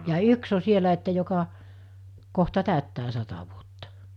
jaa ja yksi on siellä että joka kohta täyttää sata vuotta